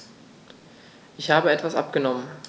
Ich habe etwas abgenommen.